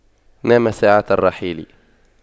نام ساعة الرحيل